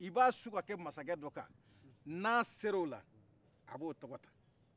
i ba su ka kɛ masakɛ dɔkan n'a ser'ola a b'o tɔgɔta